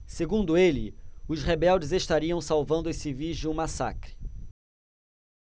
segundo ele os rebeldes estariam salvando os civis de um massacre